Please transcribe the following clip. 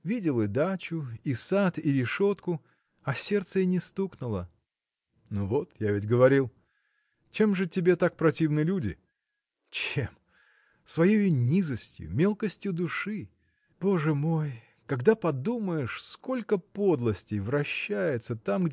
– Видел и дачу, и сад, и решетку, а сердце и не стукнуло. – Ну вот: я ведь говорил. Чем же тебе так противны люди? – Чем! своею низостью, мелкостью души. Боже мой! когда подумаешь сколько подлостей вращается там